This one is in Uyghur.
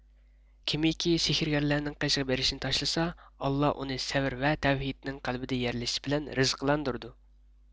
كېمىكى سېھىرگەرلەرنىڭ قېشىغا بېرىشنى تاشلىسا ئاللا ئۇنى سەۋر ۋە تەۋھىدنىڭ قەلبىدە يەرلىشىشى بىلەن رىزقىلاندۇرىدۇ